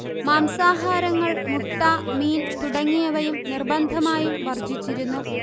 മാംസാഹാരങ്ങൾ മുട്ട മീൻതുടങ്ങിയവും നിർബന്ധമായും വർജ്ജിച്ചിരുന്നു